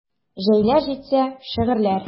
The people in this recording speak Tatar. Җәйләр җитсә: шигырьләр.